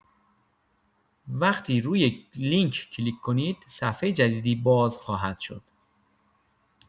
وقتی روی لینک کلیک کنید، صفحه جدیدی باز خواهد شد.